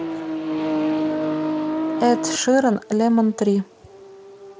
эд ширан лемон три